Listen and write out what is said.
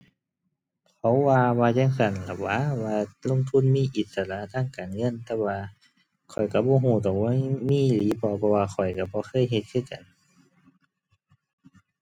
เขาว่า ว่าจั่งซั้นครับหวา ว่าลงทุนมีอิสระทางการเงินแต่ว่า ข้อยก็บ่ก็ดอกว่ามีอีหลีบ่ เพราะว่าข้อยก็บ่เคยเฮ็ดคือกัน